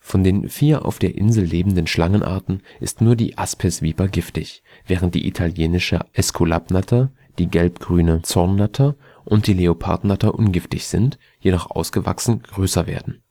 Von den vier auf der Insel lebenden Schlangenarten ist nur die Aspisviper giftig, während die Italienische Äskulapnatter, die Gelbgrüne Zornnatter und die Leopardnatter ungiftig sind, jedoch ausgewachsen größer werden.